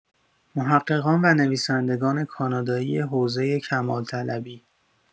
محققان و نویسندگان کانادایی حوزه کمال‌طلبی